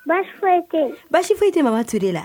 Basi foyi tɛ ye basi foyi te Mama Touré la